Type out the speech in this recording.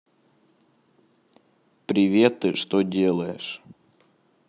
привет ты что делаешь